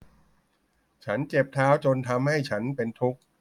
ฉันเจ็บเท้าจนทำให้ฉันเป็นทุกข์